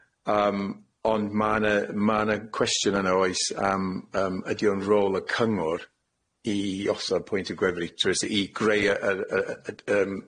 Yym, ond ma' ne ma' ne cwestiwn yna oes, am yym ydi o'n rôl y cyngor i osod pwyntiau gwefru trwy y si-? I greu yy yy yy yy yym